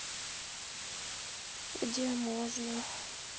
где можно